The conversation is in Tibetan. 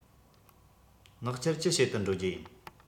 ནག ཆུར ཅི བྱེད དུ འགྲོ རྒྱུ ཡིན